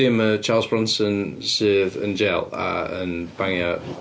Dim yy Charles Bronson sydd yn jail a'n bangio...